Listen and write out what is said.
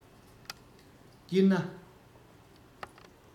སྤྱིར ན